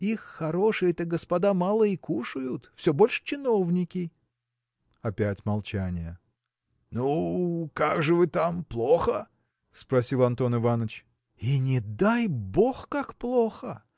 – Их хорошие-то господа мало и кушают: все больше чиновники. Опять молчание. – Ну, так как же вы там: плохо? – спросил Антон Иваныч. – И не дай бог, как плохо!